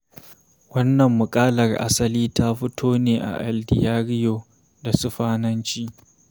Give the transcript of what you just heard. Wannan muƙalar asali ta fito ne a El Diario da Sifananci.